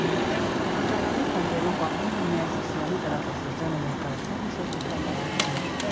Թանգարանի ֆոնդերում պահվում են միայն Սիսիանի տարածաշրջանը ներկայացնող մշակութային արժեքներ։